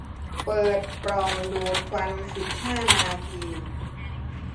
เปิดปล่องดูดควันสิบห้านาที